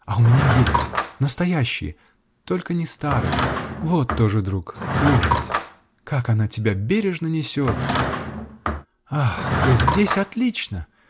-- А у меня есть, настоящие -- только не старые. Вот тоже друг -- лошадь. Как она тебя бережно несет! Ах, да здесь отлично!